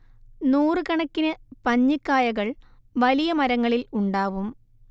നൂറുകണക്കിന് പഞ്ഞിക്കായകൾ വലിയ മരങ്ങളിൽ ഉണ്ടാവും